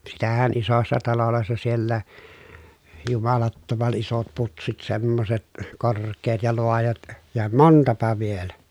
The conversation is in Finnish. sitähän isossa taloissa siellä jumalattoman isot putsit semmoiset korkeat ja laajat ja montapa vielä